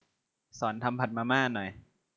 สอนทำผัดมาม่าหน่อย